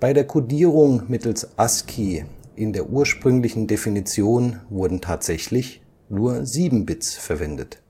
der Codierung mittels ASCII in der ursprünglichen Definition wurden tatsächlich nur 7 Bits verwendet